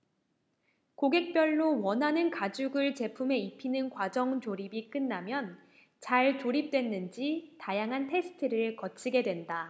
고객별로 원하는 가죽을 제품에 입히는 과정 조립이 끝나면 잘 조립 됐는지 다양한 테스트를 거치게 된다